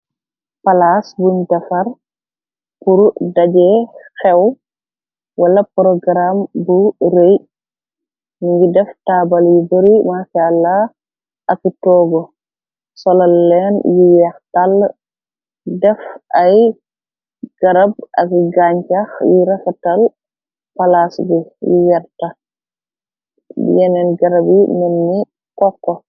palaas buñu defar pur dajee xew wala porogaraam bu rey ngi def taabal yu bari maceala ak toogo solo leen yu weextàl def ay garab ak gancax yi refatal palaas bi yi werta i yeneen garab yi men ni kokk